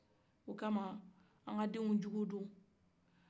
o kama an ka den cogo don